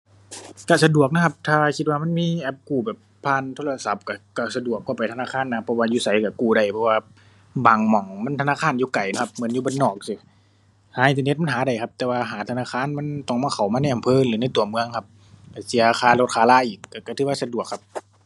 ก็สะดวกนะครับ ถ้าคิดว่ามันมีแอปกู้แบบผ่านโทรศัพท์ก็ ก็สะดวกกว่าไปธนาคารนะครับ เพราะว่าอยู่ไสก็กู้ได้ เพราะว่าบางหม้องมันธนาคารอยู่ไกลเนาะครับ เหมือนอยู่บ้านนอกจั่งซี้ หาอินเทอร์เน็ตมันหาได้ครับ แต่ว่าหาธนาคารมันต้องมา เข้ามาในอำเภอหรือในตัวเมืองครับ ก็เสียค่ารถค่าราอีก ก็ก็ถือว่าสะดวกครับ